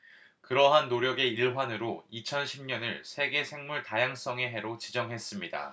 그러한 노력의 일환으로 이천 십 년을 세계 생물 다양성의 해로 지정했습니다